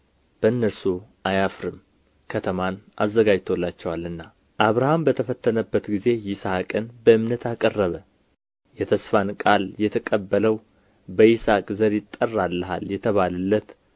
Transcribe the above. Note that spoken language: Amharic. በእነርሱ አያፍርም ከተማን አዘጋጅቶላቸዋልና አብርሃም በተፈተነበት ጊዜ ይስሐቅን በእምነት አቀረበ የተስፋን ቃል የተቀበለው በይስሐቅ ዘር ይጠራልሃል የተባለለት